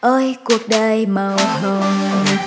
ôi cuộc đời màu hồng